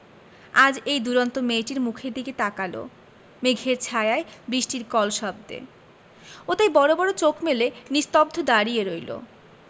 আজ এই দুরন্ত মেয়েটির মুখের দিকে তাকাল মেঘের ছায়ায় বিষ্টির কলশব্দে ও তাই বড় বড় চোখ মেলে নিস্তব্ধ দাঁড়িয়ে রইল